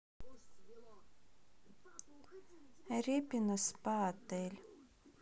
репино спа отель